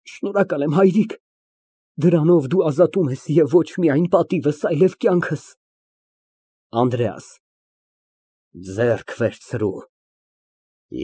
Շնորհակալ եմ, հայրիկ, դրանով դու ազատում ես ոչ միայն պատիվս, այլև կյանքս… ԱՆԴՐԵԱՍ ֊ Հըմ, ձեռք վերցրու։